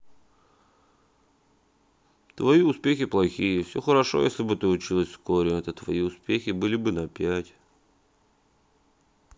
твои успехи плохие все хорошо если бы ты училась вскоре это твои успехи были бы на пять